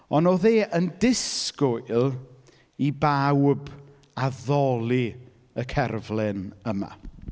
Ond oedd e yn disgwyl i bawb addoli y cerflun yma.